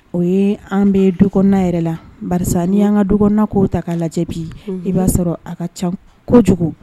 O ye an bɛ dukɔnɔna yɛrɛ la barisa n'i y'an ka dukɔnɔna kow ta k'a lajɛ bi i b'a sɔrɔ a ka ca kojugu.